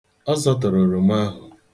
Ọ zọtọrọ oroma ahụ.